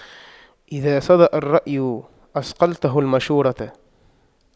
إذا صدأ الرأي أصقلته المشورة